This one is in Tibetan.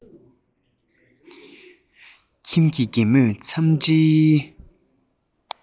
ཁྱིམ གྱི རྒན མོས འཚམས འདྲིའི